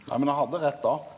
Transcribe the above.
nei men han hadde rett då.